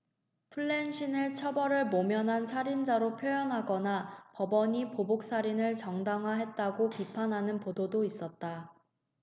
프랜신을 처벌을 모면한 살인자로 묘사하거나 법원이 보복살인을 정당화했다고 비판하는 보도도 있었다